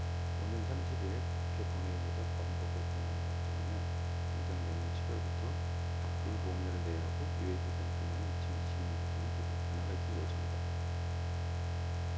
오는 삼십 일 국회 본회의에서 건보 개편안을 확정하면 당장 내년 칠 월부터 바뀐 보험료를 내야 하고 유예 기간이 끝나는 이천 이십 이 년부터는 대폭 변화가 있을 예정이다